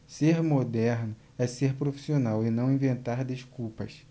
ser moderno é ser profissional e não inventar desculpas